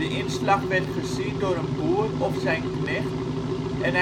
inslag werd gezien door een boer (of zijn knecht) en